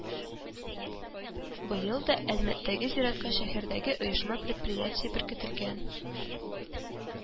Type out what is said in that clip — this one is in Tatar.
Быел да Әлмәттәге зиратка шәһәрдәге оешма-предприятие беркетелгән